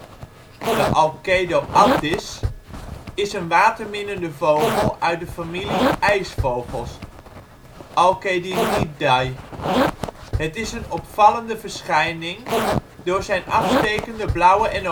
Alcedo atthis) is een waterminnende vogel uit de familie ijsvogels (Alcedinidae). Het is een opvallende verschijning door zijn afstekende blauwe en